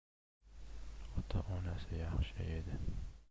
ota onasi yaxshi edi